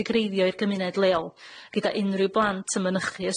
huntigreiddio i'r gymuned leol gyda unryw blant ym mynychu